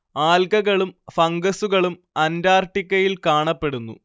ആൽഗകളും ഫംഗസുകളും അന്റാർട്ടിക്കയിൽ കാണപ്പെടുന്നു